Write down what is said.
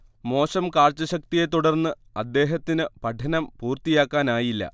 മോശം കാഴ്ച ശക്തിയെത്തുടർന്ന് അദ്ദേഹത്തിന് പഠനം പൂർത്തിയാക്കാനായില്ല